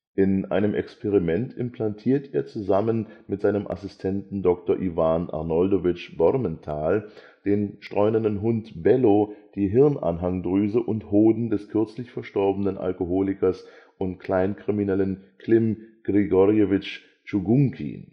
In einem Experiment implantiert er zusammen mit seinem Assistenten Doktor Iwan Arnoldowitsch Bormental dem streunenden Hund Bello die Hirnanhangdrüse und Hoden des kürzlich verstorbenen Alkoholikers und Kleinkriminellen Klim Grigorjewitsch Tschugunkin